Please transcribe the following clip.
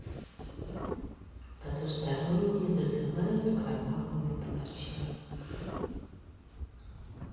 потусторонние вызывают кровавого палача